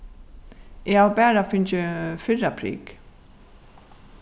eg havi bara fingið fyrra prik